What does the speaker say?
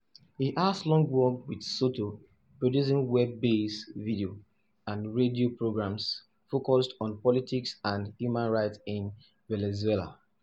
He has long worked with Soto producing web-based video and radio programs focused on politics and human rights in Venezuela.